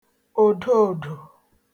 òdoòdò